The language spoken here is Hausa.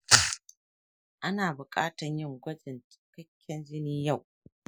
ana bukatan yin gwajin cikekken jini yau.